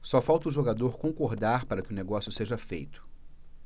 só falta o jogador concordar para que o negócio seja feito